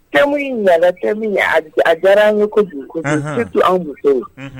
Te in nana a diyara an ye ko kojugu to an musow ye